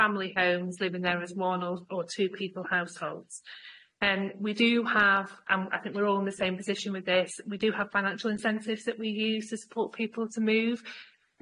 family homes living there as one or two people households, and we do have and I think we're all in the same position with this we do have financial incentives that we use to support people to move,